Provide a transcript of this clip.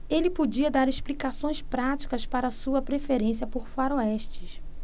ele podia dar explicações práticas para sua preferência por faroestes